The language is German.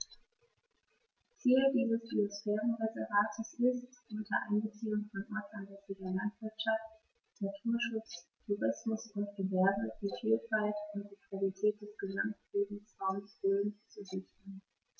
Ziel dieses Biosphärenreservates ist, unter Einbeziehung von ortsansässiger Landwirtschaft, Naturschutz, Tourismus und Gewerbe die Vielfalt und die Qualität des Gesamtlebensraumes Rhön zu sichern.